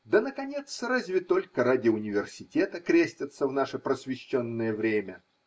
Да, наконец, разве только ради университета крестятся в наше просвещенное время?